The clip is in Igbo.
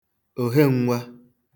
òhen̄nwā